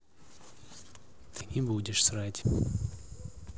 ты не будешь срать